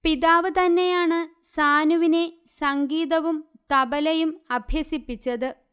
പിതാവ് തന്നെയാണ് സാനുവിനെ സംഗീതവും തബലയും അഭ്യസിപ്പിച്ചത്